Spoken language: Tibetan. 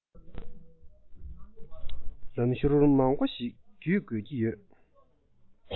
ལུང ཤུར མང པོ ཞིག བརྒྱུད དགོས ཀྱི ཡོད